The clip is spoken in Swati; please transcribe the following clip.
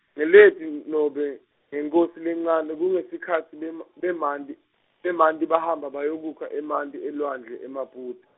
NgeLweti nobe, ngeNkhosi lencane kungesikhatsi bema- bemanti, bemanti, bahamba bayokukha emanti elwandle eMaputo.